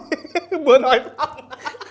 uây vừa nói xong